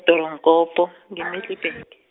Doornkop nge- Middelburg.